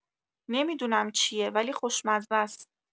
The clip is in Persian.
نمی‌دونم چیه ولی خوشمزس